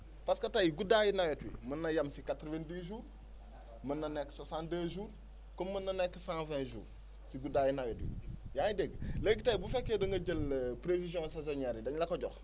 parce que guddaayu nawet bi mën na yem si quatre vingt dix jours mën na nekk cent deux jours comme mën na nekk cent vingt jours si guddaayu nawet bi yaa ngi dégg léegi tey bu fekkee da nga jël prévision saisonnière yi dañ la ko jox